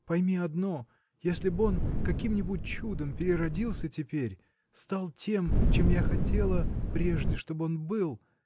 Пойми одно: если б он каким-нибудь чудом переродился теперь, стал тем, чем я хотела прежде чтоб он был